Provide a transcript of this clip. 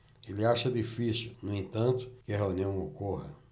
ele acha difícil no entanto que a reunião ocorra